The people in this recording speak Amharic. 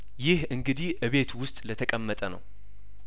ይህ እንግዲህ እቤት ውስጥ ለተቀመጠ ነው